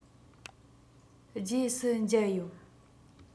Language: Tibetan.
རྗེས སུ མཇལ ཡོང